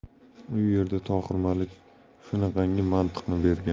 u yerda tohir malik shunaqangi mantiqni bergan